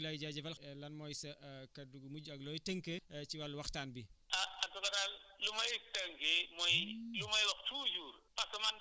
kon Pierre rajo Jabi Jula FM mu ngi lay sant di la gërëm auditeurs yi nga xam aussi ñu ngi lay déglu ñu ngi lay jaajëfal lan mooy sa kaddu gu mujj ak looy tënkee ci wàllu waxtaan bi